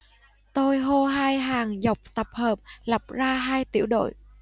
tôi hô hai hàng dọc tập hợp lập ra hai tiểu đội